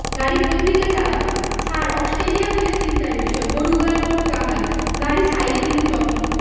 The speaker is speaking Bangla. গাড়ি কোনদিকে চালাবা ছার অশটেলিয়া হইলে চিন্তার বিষয় গ্রু গুলান মোটকা হয় গাড়ি সাইডে নিমু তহন